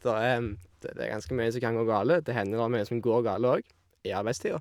der er det Det er ganske mye som kan gå galt, det hender det er mye som går galt òg, i arbeidstida.